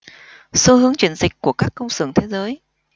xu hướng chuyển dịch của các công xưởng thế giới